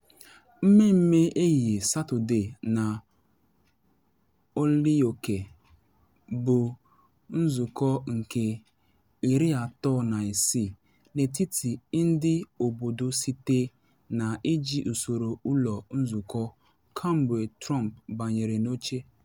Mmemme ehihie Satọde na Holyoke bụ nzụkọ nke 36 n’etiti ndị obodo site na iji usoro ụlọ nzụkọ kemgbe Trump banyere n’oche.